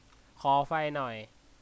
ขอไฟหน่อย